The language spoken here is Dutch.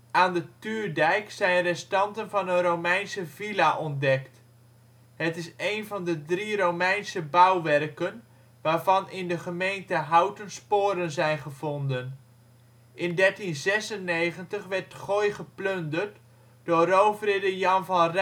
Aan de Tuurdijk zijn restanten van een Romeinse Villa ontdekt. Het is een van de drie Romeinse bouwwerken waarvan in de gemeente Houten sporen zijn gevonden. In 1396 werd ' t Goy geplunderd door roofridder Jan van